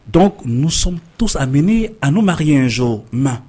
Dɔn musɔn to a bɛ a n mayson ma